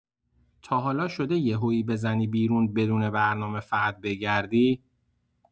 تا حالا شده یهویی بزنی بیرون بدون برنامه فقط بگردی؟